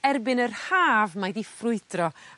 erbyn yr Haf mae 'di ffrwydro